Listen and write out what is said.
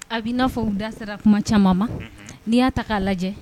A bɛ n'a fɔ da sera tuma caman ma n'i y'a ta k'a lajɛ